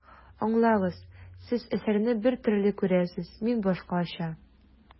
Аңлагыз, Сез әсәрне бер төрле күрәсез, мин башкача.